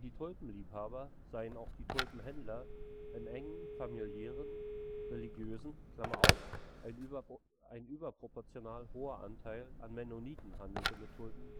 Tulpenliebhaber seien auch die Tulpenhändler in engen familiären, religiösen (ein überproportional hoher Anteil an Mennoniten handelte mit Tulpen